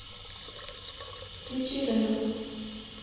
птичий рынок